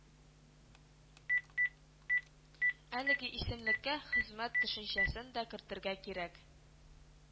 Әлеге исемлеккә “хезмәт” төшенчәсен дә кертергә кирәк